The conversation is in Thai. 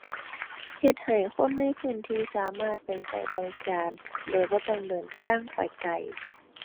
เฮ็ดให้คนในพื้นที่สามารถไปใช้บริการ โดยบ่ต้องเดินทางไปไกล